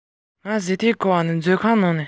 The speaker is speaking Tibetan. ཟེར བཞིན ང ལ རྡོག ཐོ